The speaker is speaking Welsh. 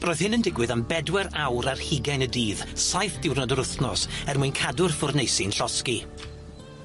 Roedd hyn yn digwydd am bedwar awr ar hugain y dydd, saith diwrnod yr wthnos er mwyn cadw'r ffwrneisi'n llosgi.